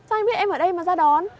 sao anh biết em ở đây mà ra đón